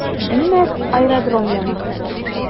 Димәк, аэродром яна.